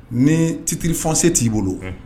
Ni titiriri fɔsen t'i bolo